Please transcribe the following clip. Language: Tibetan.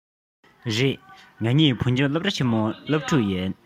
རེད ང གཉིས བོད ལྗོངས སློབ གྲ ཆེན མོའི སློབ ཕྲུག ཡིན